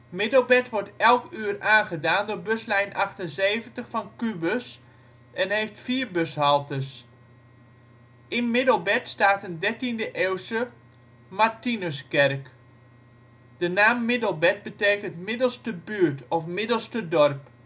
Middelbert wordt elk uur aangedaan door buslijn 78 van Qbuzz en heeft 4 bushaltes. In Middelbert staat een 13e-eeuwse Martinuskerk. Zie Martinuskerk (Middelbert) voor het hoofdartikel over dit onderwerp. De naam Middelbert betekent middelste buurt of middelste dorp